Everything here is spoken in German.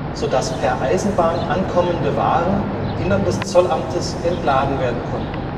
so dass per Eisenbahn ankommende Waren im Inneren des Zollamtes entladen werden konnten